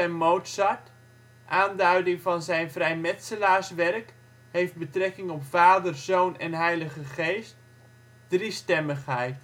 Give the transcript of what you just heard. Mozart (aanduiding van zijn vrijmetselaarswerk, heeft betrekking op Vader, Zoon en heilige geest.) Driestemmigheid